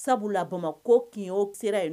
Sabula bamakɔ ko kin'o sera ye